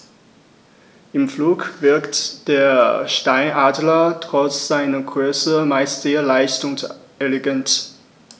Im Flug wirkt der Steinadler trotz seiner Größe meist sehr leicht und elegant.